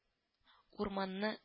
Урманны